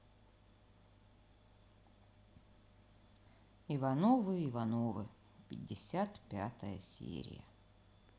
ивановы ивановы пятьдесят пятая серия